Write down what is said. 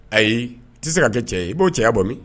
Ayi i tɛ se ka kɛ cɛ ye i b'o cɛya bɔ min